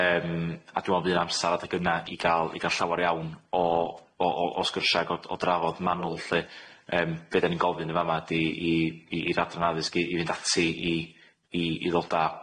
Yym a dwi me'wl by' 'na amsar adeg yna i ga'l i ga'l llawar iawn o o o o sgyrsha ag o o drafod manwl lly yym be' dan ni'n gofyn yn fa'ma di i i i i'r adran addysg i i fynd ati i i i ddod a